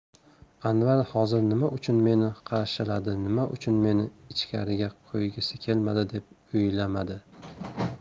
anvar hozir nima uchun meni qarshiladi nima uchun meni ichkariga qo'ygisi kelmadi deb o'ylamadi